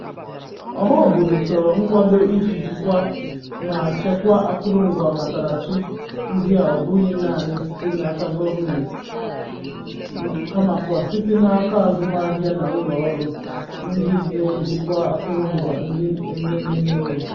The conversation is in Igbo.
Ọhaobodo chọrọ nkwado iji jikwaa ma chekwaa akụrụngwa ọnatarachi ndị a ọbụghị naanị site n'aka gọọmentị kamakwa site n'aka azụmaahịa na ụlọọrụ ndị na-ejikwa akụrụngwa ndị a eme ihe.